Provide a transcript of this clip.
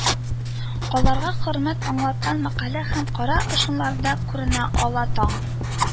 Каларга хөрмәт аңлаткан мәкаль һәм кара ышануларда күренә: ала таң,